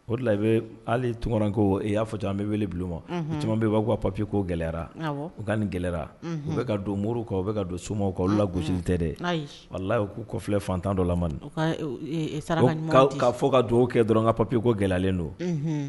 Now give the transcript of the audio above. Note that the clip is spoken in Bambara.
O de i bɛ hali tunkarakkɛ y'a fɔ c an bɛ wele bulon ma caman bɛ'a'a papiye ko gɛlɛyara u ka nin gɛlɛyara u bɛ ka don muru kan u bɛ ka don somaw kan u la gosi tɛ dɛ wala k'u kɔfi fatan dɔ la ka fɔ ka dugawu kɛ dɔrɔn ka papiye ko gɛlɛlen don